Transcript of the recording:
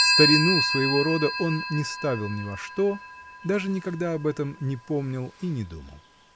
Старину своего рода он не ставил ни во что, даже никогда об этом не помнил и не думал.